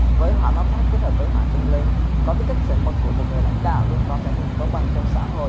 với hỏa ma pháp kết hợp với hỏa tinh linh có tính cách chuẩn mực của người lãnh đạo luôn có cái nhìn công bằng trong xã hội